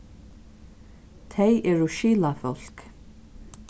tey eru skilafólk